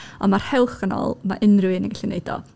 Ond mae Rhowch Yn Ôl, mae unrhyw un yn gallu wneud o.